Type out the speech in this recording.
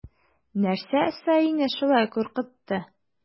Нәрсә саине шулай куркытты?